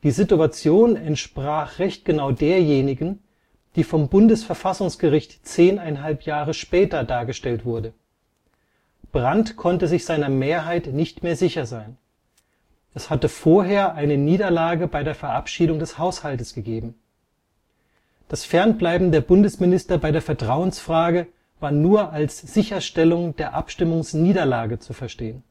Situation entsprach recht genau derjenigen, die vom Bundesverfassungsgericht zehneinhalb Jahre später dargestellt wurde: Brandt konnte sich seiner Mehrheit nicht mehr sicher sein. Es hatte vorher eine Niederlage bei der Verabschiedung des Haushaltes gegeben. Das Fernbleiben der Bundesminister bei der Vertrauensfrage war nur als Sicherstellung der Abstimmungsniederlage zu verstehen